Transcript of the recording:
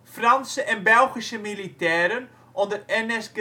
Franse en Belgische militairen onder Ernest